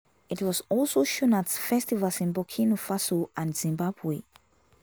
It was also shown at festivals in Burkina Faso and Zimbabwe.